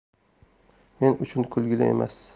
men uchun kulgili emas